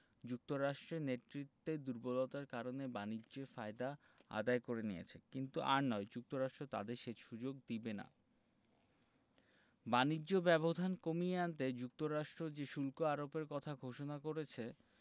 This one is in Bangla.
যুক্তরাষ্ট্রের নেতৃত্বের দুর্বলতার কারণে বাণিজ্য ফায়দা আদায় করে নিয়েছে কিন্তু আর নয় যুক্তরাষ্ট্র তাদের সে সুযোগ দেবে না বাণিজ্য ব্যবধান কমিয়ে আনতে যুক্তরাষ্ট্র যে শুল্ক আরোপের কথা ঘোষণা করেছে